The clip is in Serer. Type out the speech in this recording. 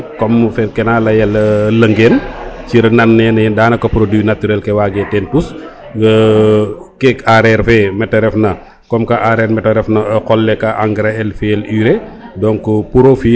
comme fe ke na leyel lengen cir nan nene yiin dana ka produit naturel ke mbage ten tus keek areer fe mete ref na comme que areer mat te ref o qol le ka engrais el fiyel urée donc pour o fiyin